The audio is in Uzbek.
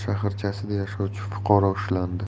shaharchasida yashovchi fuqaro ushlandi